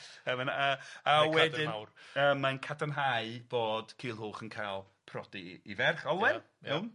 Ie mae'n yy a wedyn... Y cradur mawr. ...yy mae'n cadarnhau bod Culhwch yn ca'l prodi 'i 'i ferch Olwen. Ia ia. Iawn?